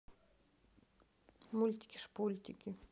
мультики шпультики